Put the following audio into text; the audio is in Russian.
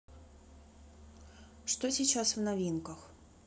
что сейчас в новинках